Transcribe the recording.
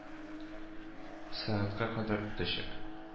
Сәгатькә кадәр үтәчәк